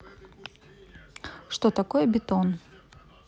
что такое бетон